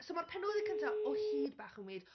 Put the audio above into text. So, mae'r penodau cyntaf o hyd bach yn weird...